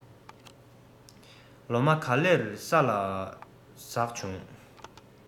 ལོ མ ག ལེར ས རུ ཟགས བྱུང